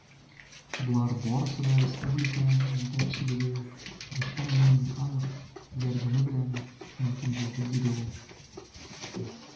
Болар барысы да республика җитәкчелеге, Рөстәм Миңнеханов, ярдәме белән мөмкин булды, - диде ул.